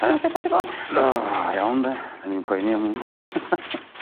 Su' ma' petha 'di bod? O iawn 'de. 'Dyn ni'n poeni am 'wn.